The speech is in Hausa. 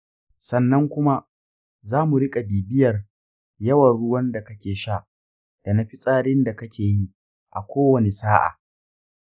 sannan kuma, za mu riƙa bibiyar yawan ruwan da kake sha da na fitsarin da kake yi a kowane sa'a.